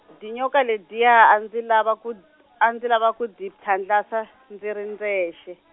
dyinyoka ledyiya a ndzi lava ku d-, a ndzi lava ku dyi phyandlasa , ndzi ri ndzexe.